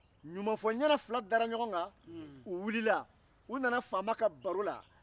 ɲumanfɔ-n-ɲena fila dara ɲɔgɔn kan u wulila u nana faama ka baro la